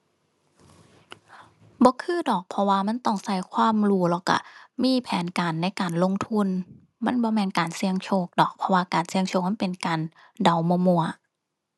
บ่คือดอกเพราะว่ามันต้องใช้ความรู้แล้วใช้มีแผนการในการลงทุน มันบ่แม่นการเสี่ยงโชคดอก เพราะว่าการเสี่ยงโชคมันเป็นการเดามั่วมั่ว